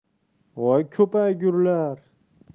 voy ko'paygurlar